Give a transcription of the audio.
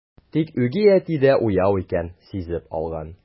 Тик үги әти дә уяу икән, сизеп алган.